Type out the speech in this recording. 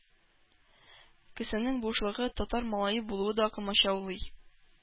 Кесәнең бушлыгы, татар малае булуы да комачаулый.